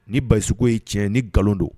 Ni basiko ye cɛ ni nkalon don